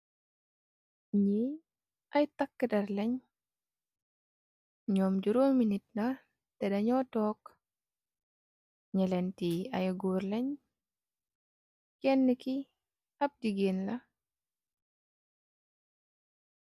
Nyi ay taka derr leen nyom juroomi nitt la teh de nyu tog neenti ay goor len kena ki ap jigeen la.